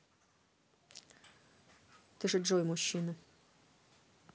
ты же джой мужчина